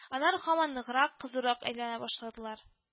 Аннары һаман ныграк, кызурак әйләнә башладылар